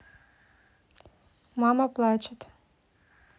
мама плачет